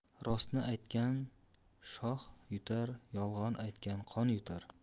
rostni aytgan shon yutar yolg'on aytgan qon yutar